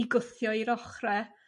'i gwthio i'r ochre